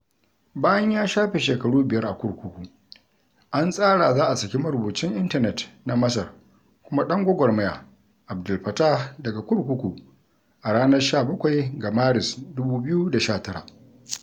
Bayan ya shafe shekaru biyar a kurkuku, an tsara za a saki marubucin intanet na Masar kuma ɗan gwagwarmaya, Abd El Fattah daga kurkuku a ranar 17 ga Maris, 2019.